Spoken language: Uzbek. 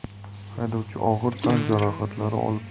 haydovchi og'ir tan jarohatlari